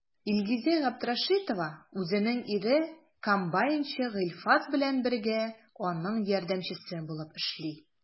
Илгизә Габдрәшитова үзенең ире комбайнчы Гыйльфас белән бергә, аның ярдәмчесе булып эшли.